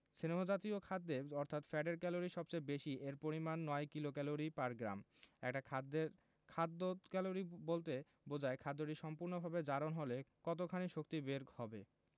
স্নেহ জাতীয় খাদ্যে অর্থাৎ ফ্যাটের ক্যালরি সবচেয়ে বেশি এর পরিমান ৯ কিলোক্যালরি পার গ্রাম একটা খাদ্যের খাদ্য ক্যালোরি বলতে বোঝায় খাদ্যটি সম্পূর্ণভাবে জারণ হলে কতখানি শক্তি বের হবে